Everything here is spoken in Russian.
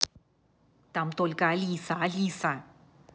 там только алиса алиса